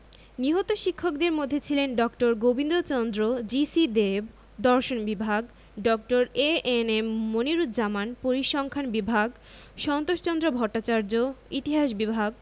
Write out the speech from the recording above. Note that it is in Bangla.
নিহত শিক্ষকদের মধ্যে ছিলেন ড. গোবিন্দচন্দ্র জি.সি দেব দর্শন বিভাগ ড. এ.এন.এম মনিরুজ্জামান পরিসংখান বিভাগ সন্তোষচন্দ্র ভট্টাচার্য ইতিহাস বিভাগ